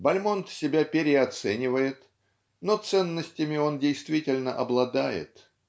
Бальмонт себя переоценивает, но ценностями он действительно обладает.